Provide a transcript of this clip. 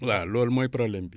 waaw loolu mooy problème bi